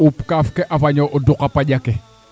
a fañ o uup kaaf ke a fañ o duq a paƴ ake